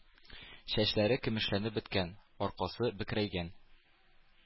Чәчләре көмешләнеп беткән, аркасы бөкрәйгән,